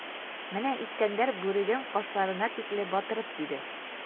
Менә Искәндәр бүреген кашларына тикле батырып киде.